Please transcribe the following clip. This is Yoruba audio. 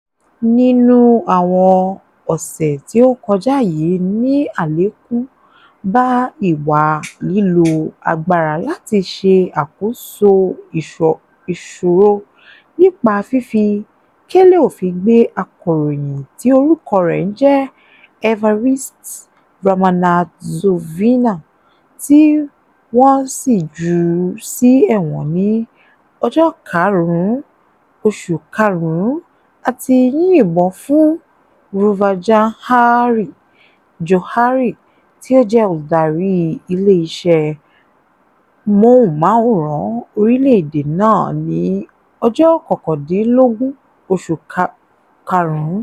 Nínú àwọn ọ̀sẹ̀ tí ó kọjá yìí ni àlékún bá ìwà lílo agbára láti ṣe àkóso ìṣọ̀rọ̀, nípa fífi kélé òfin gbé akọ̀ròyìn tí orúkọ rẹ̀ ń jẹ́ Evariste Ramanatsoavina, tí wọ́n sì jù ú sí ẹ̀wọ̀n ní ọjọ́ karùn-ún oṣù karùn-ún, àti yíyìnbọ̀n fún Ravoajanahary Johary, tí ó jẹ́ olùdarí ilé iṣẹ́ móhùnmáwòràn orílẹ̀ èdè náà ní ọjọ́ kọkàndínlógún oṣù karùn-ún.